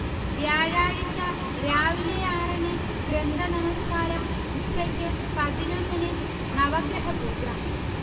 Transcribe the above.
വ്യാഴാഴ്ച രാവിലെ ആറിന് ഗ്രന്ഥ നമസ്കാരം, ഉച്ചയ്ക്ക് പതിനൊന്നിന് നവഗ്രഹപൂജ